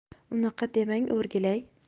unaqa demang o'rgilay